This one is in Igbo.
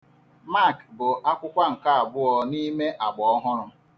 Mak bụ akwụkwọ nke abụọ n'ime agbaọhụrụ.